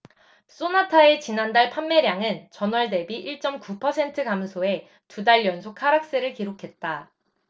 쏘나타의 지난달 판매량은 전월 대비 일 쩜 구 퍼센트 감소해 두 달 연속 하락세를 기록했다